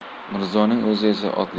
mirzoning o'zi esa